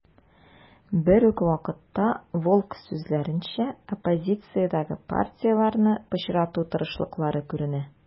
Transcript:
Берүк вакытта, Волк сүзләренчә, оппозициядәге партияләрне пычрату тырышлыклары күрелә.